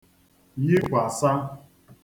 yikwàsa